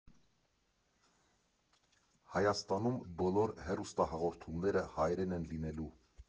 Հայաստանում բոլոր հեռուստահաղորդումները հայերեն են լինելու։